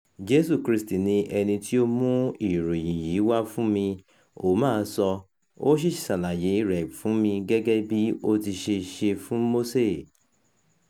Jésù Kristì ni ẹni tí ó mú ìròyìn yìí wá fún mi, Ouma sọ, ó sì ṣàlàyée rẹ̀ fún mi gẹ́gẹ́ bí ó ti ṣe ṣe fún Mósè.